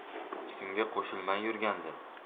hech kimga qo'shilmay yurgandi